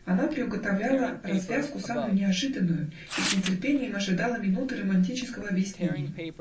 Она приуготовляла развязку самую неожиданную и с нетерпением ожидала минуты романического объяснения.